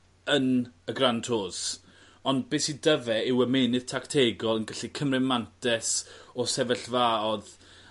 yn y Grand Tours ond be' sy 'dy fe yw ymenydd tactegol yn gallu cymry mantes o sefyllfaodd